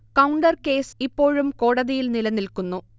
counter case ഇപ്പോഴും കോടതിയിൽ നിലനിൽക്കുന്നു